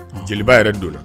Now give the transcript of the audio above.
Jeliba yɛrɛ don la